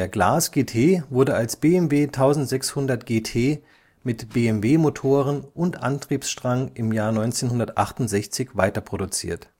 Glas GT wurde als BMW 1600 GT mit BMW-Motoren und Antriebsstrang im Jahr 1968 weiterproduziert